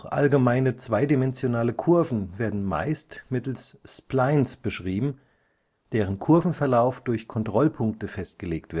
allgemeine zweidimensionale Kurven werden meist mittels Splines beschrieben, deren Kurvenverlauf durch Kontrollpunkte festgelegt